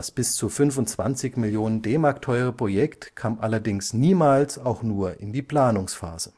bis zu 25 Millionen DM teure Projekt kam allerdings niemals auch nur in die Planungsphase